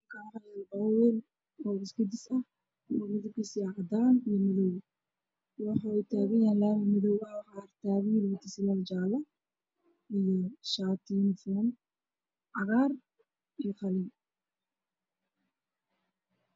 Halkaan waxaa yaalo gaari wayn oo carro gadis ah oo ah madow iyo cadaan waxuu taagan yahay laami madow ah waxaa agtaagan wiil wato fanaanad iyo shaati oo ah cagaar iyo qalin.